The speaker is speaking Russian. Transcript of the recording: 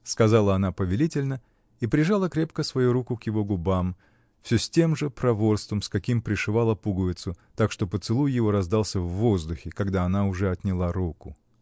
— сказала она повелительно и прижала крепко свою руку к его губам, всё с тем же проворством, с каким пришивала пуговицу, так что поцелуй его раздался в воздухе, когда она уже отняла руку.